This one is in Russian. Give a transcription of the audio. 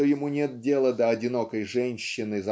что ему нет дела до одинокой женщины